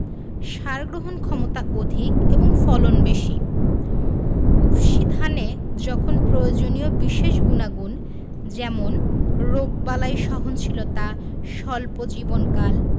সার গ্রহণক্ষমতা অধিক এবং ফলন বেশি উফশী ধানে যখন প্রয়োজনীয় বিশেষ গুনাগুণ যেমন রোগবালাই সহনশীলতা স্বল্প জীবনকাল